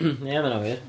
Ia, ma' hynna'n wir.